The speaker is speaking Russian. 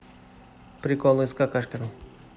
приколы с какашками